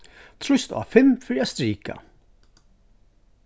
trýst á fimm fyri at strika